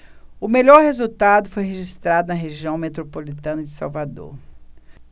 o melhor resultado foi registrado na região metropolitana de salvador